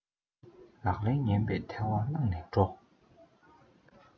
ལག ལེན ངན པས ཐལ བ བསླངས ནས འགྲོ